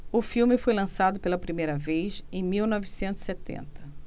o filme foi lançado pela primeira vez em mil novecentos e setenta